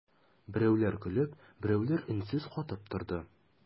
Берәүләр көлеп, берәүләр өнсез катып торды.